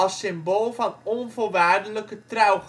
symbool van onvoorwaardelijke trouw